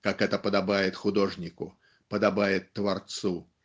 как это подобает художнику подобает творцу.